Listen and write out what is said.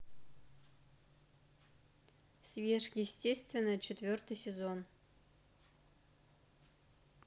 сверхъестественное четвертый сезон